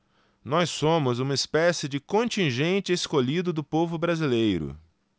nós somos uma espécie de contingente escolhido do povo brasileiro